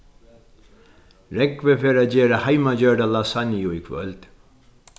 rógvi fer at gera heimagjørda lasanju í kvøld